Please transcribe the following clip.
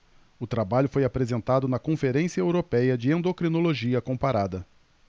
o trabalho foi apresentado na conferência européia de endocrinologia comparada